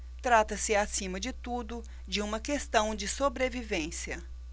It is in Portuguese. trata-se acima de tudo de uma questão de sobrevivência